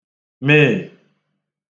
Meè